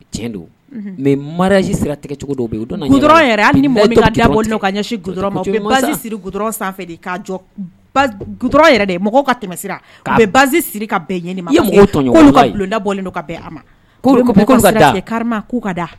Tiɲɛ don mɛji sira tɛcogo don bɛ yen o don ka ɲɛ siri g sanfɛ de ka jɔ de mɔgɔ ka tɛmɛ ba siri kadalen a ma' ka da